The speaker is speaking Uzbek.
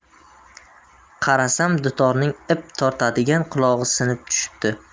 qarasam dutorning ip tortadigan qulog'i sinib tushibdi